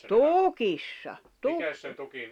tukissa tukki